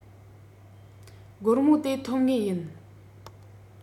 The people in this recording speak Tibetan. སྒོར མོ དེ ཐོབ ངེས ཡིན